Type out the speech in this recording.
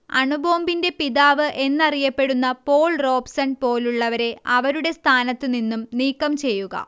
അണുബോംബിന്റെ പിതാവ് എന്നറിയപ്പെടുന്ന Paul Robson പോലുള്ളവരെ അവരുടെ സ്ഥാനത്തു നിന്നും നീക്കംചെയ്യുക